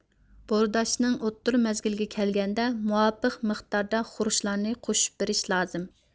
بورداشنىڭ ئوتتۇرا مەزگىلىگە كەلگەندە مۇۋاپىق مىقداردا خۇرۇچلارنى قوشۇپ بېرىش لازىم